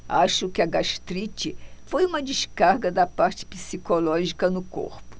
acho que a gastrite foi uma descarga da parte psicológica no corpo